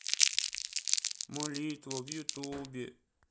молитва в ютубе